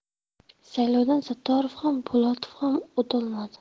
saylovdan sattorov ham po'latov ham o'tolmadi